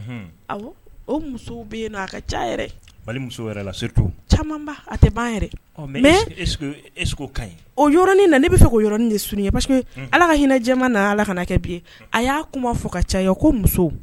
Oɔrɔnin nana bɛ fɛɔrɔn ye ala ka hinɛ ala ka kɛ bi a y'a kuma fɔ ka caya